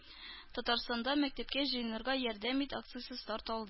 Татарстанда “Мәктәпкә җыенырга ярдәм ит!” акциясе старт алды